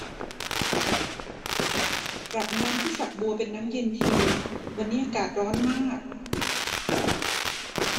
ปรับน้ำที่ฝักบัวเป็นน้ำเย็นทีวันนี้อากาศร้อนมาก